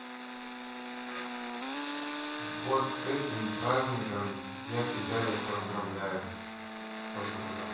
вот с этим праздником я тебя и поздравлял